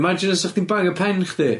Imagine os sa chdi'n bangio pen chdi?